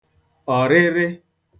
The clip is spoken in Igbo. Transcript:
ọ̀rịrị